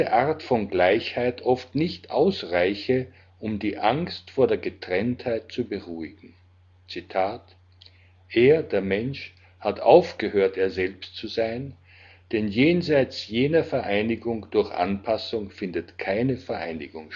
Art von Gleichheit oft nicht ausreiche, um die Angst vor der Getrenntheit zu beruhigen. „ Er [der Mensch] hat aufgehört, er selbst zu sein - denn jenseits jener Vereinigung durch Anpassung findet keine Vereinigung